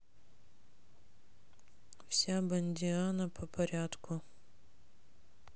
вся бондиана по порядку